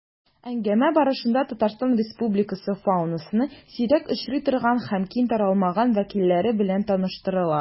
Әңгәмә барышында Татарстан Республикасы фаунасының сирәк очрый торган һәм киң таралмаган вәкилләре белән таныштылар.